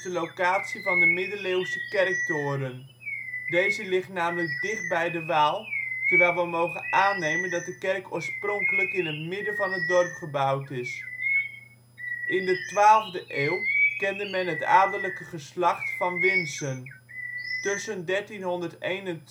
locatie van de middeleeuwse kerktoren. Deze ligt namelijk dichtbij de Waal, terwijl we mogen aannemen dat de kerk oorspronkelijk in het midden van het dorp gebouwd is. In de twaalfde eeuw kende men het adellijke geslacht Van Winsen. Tussen 1321 en